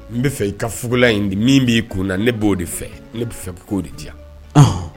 N' fɛ i fukulan in di, min b'i kun na ne b'o de fɛ, ne bɛ fɛ k'o de diya, ɔnhɔn.